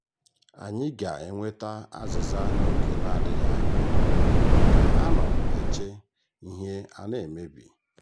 Anyị ga-enweta azịza n'oge na-adịghị anya. Ka a nọ eche, ihe na-emebi.